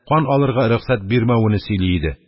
Кан алырга рөхсәт бирмәвене сөйли иде.